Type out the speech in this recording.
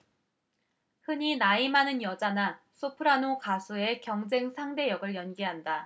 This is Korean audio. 흔히 나이 많은 여자나 소프라노 가수의 경쟁 상대 역을 연기한다